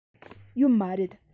ཡོད མ རེད